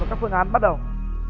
các phương án bắt đầu